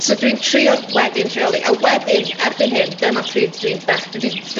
So dwi'n trio wedyn rheoli, a wedyn, erbyn hyn, dyna pryd dydw i'n dech-. Dwi 'di